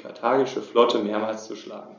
V-förmiges Flugbild zustande kommt.